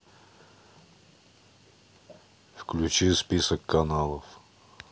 включи список каналов